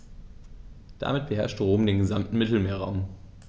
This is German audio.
Damit beherrschte Rom den gesamten Mittelmeerraum.